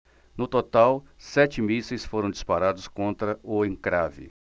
no total sete mísseis foram disparados contra o encrave